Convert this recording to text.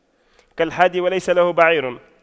كالحادي وليس له بعير